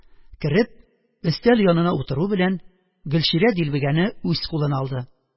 Кереп өстәл янына утыру белән, Гөлчирә дилбегәне үз кулына алды.